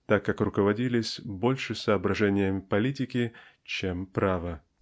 так как руководились больше соображениями политики чем права.